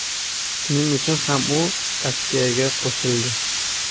shuning uchun u ham askiyaga qo'shildi